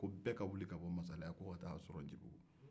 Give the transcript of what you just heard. ko bɛɛ ka wuli ka bɔ yan masala ka taa a sɔrɔ ncibugu